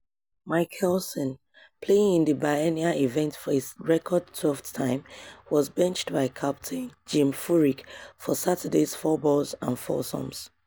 Mickelson, playing in the biennial event for a record 12th time, was benched by captain Jim Furyk for Saturday's fourballs and foursomes.